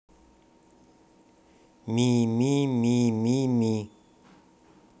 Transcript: мимимими